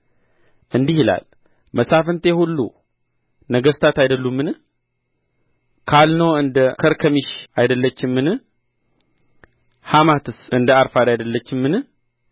እንዲህ ይላል መሳፍንቴ ሁሉ ነገሥታት አይደሉምን ካልኖ እንደ ከርከሚሽ አይደለችምን ሐማትስ እንደ አርፋድ አይደለችምን